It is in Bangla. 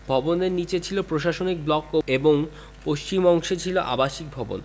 ভবনের নিচে ছিল প্রশাসনিক ব্লক এবং পশ্চিম অংশে ছিল আবাসিক ভবন